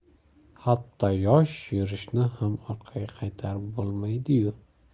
hatto yosh yurishni ham orqaga qaytarib bo'lmaydi yu